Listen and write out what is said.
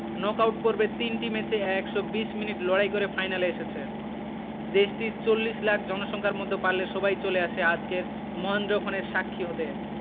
knock out পর্বে তিনটি ম্যাচে ১২০ মিনিট লড়াই করে ফাইনালে এসেছে দেশটির ৪০ লাখ জনসংখ্যার মধ্যে পারলে সবাই চলে আসে আজকের মহেন্দ্রক্ষণের সাক্ষী হতে